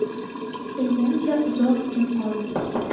tikilgancha uzoq jim qoldi